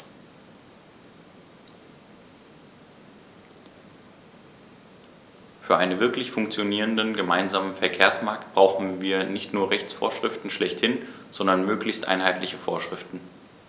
Für einen wirklich funktionierenden gemeinsamen Verkehrsmarkt brauchen wir nicht nur Rechtsvorschriften schlechthin, sondern möglichst einheitliche Vorschriften.